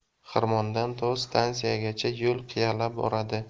xirmondan to stansiyagacha yo'l qiyalab boradi